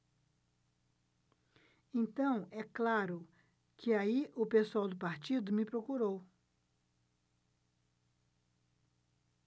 então é claro que aí o pessoal do partido me procurou